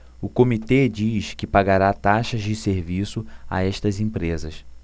o comitê diz que pagará taxas de serviço a estas empresas